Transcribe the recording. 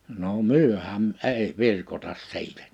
no mehän ei virkota siitä